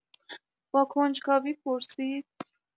با کنجکاوی پرسید